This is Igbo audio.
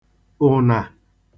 ụ̀nà